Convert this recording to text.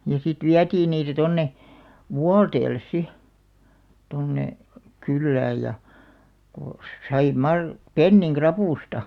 ja sitten vietiin niitä tuonne Vuolteelle sitten tuonne kylään ja kun sai - pennin ravusta